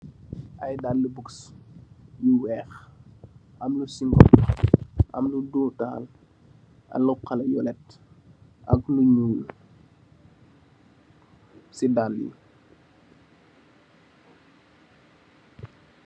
Ay daale bugsi yu weex, am lu siingam, am lu doomtahal, ak lu xala yoolet, ak lu nyuul si daale yi